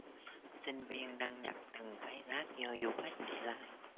sinh viên đang nhặt từng cái rác do du khách để lại